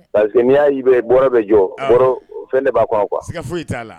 Parceseke n y'a y'i bɛɔr bɛ jɔ fɛn de b'a kuwa qu kuwa foyi t'a la